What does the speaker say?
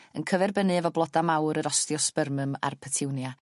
yn cyferbynnu efo bloda mawr yr osteospermum a'r petunia.